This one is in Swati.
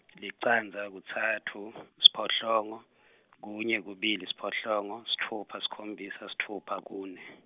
licandza kutsatfu , siphohlongo, kunye kubili siphohlongo, sitfupha sikhombisa, sitfupha kune.